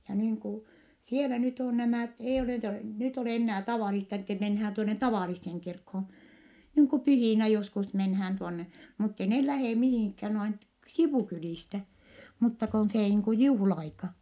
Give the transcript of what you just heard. ja niin kuin siellä nyt on nämä ei ole nyt nyt ole enää tavallista että mennään tuonne tavalliseen kirkkoon niin kuin pyhinä joskus mennään tuonne mutta ei ne lähde mihinkään noin - sivukylistä mutta kun se niin kuin juhla-aika